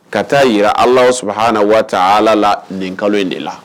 Ka taa jira ala sɔrɔ h na waa ala la nin kalo in de la